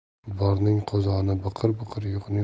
borning qozoni biqir biqir